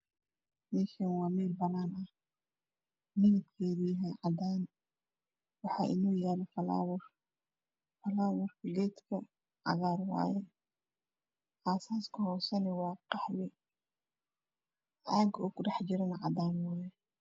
Meeshaan meel banaan ah midabkeedu yahay cadaan, waxaa inoo yaalo falaawar. Falaawarka geedka cagaarka waaye. Aas aaska hoosane waa qaxwi. Caaga uu ku dhex jirane cadaan waaye.